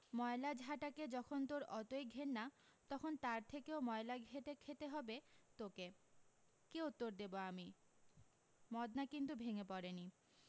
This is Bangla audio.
ময়লা ঝাঁটাকে যখন তোর অতৈ ঘেন্না তখন তার থেকেও ময়লা ঘেঁটে খেতে হবে তোকে কী উত্তর দেবো আমি মদনা কিন্তু ভেঙে পড়েনি